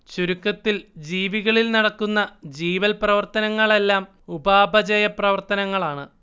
ചുരുക്കത്തിൽ ജീവികളിൽ നടക്കുന്ന ജീവൽ പ്രവർത്തനങ്ങളെല്ലാം ഉപാപചയ പ്രവർത്തനങ്ങളാണ്